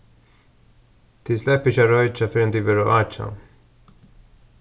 tit sleppa ikki roykja fyrr enn tit verða átjan